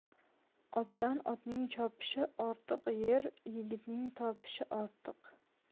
otdan otning chopishi ortiq er yigitning topishi ortiq